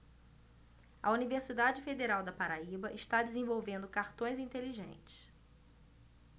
a universidade federal da paraíba está desenvolvendo cartões inteligentes